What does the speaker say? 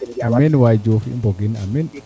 amiin waay Diouf i mbogin amiin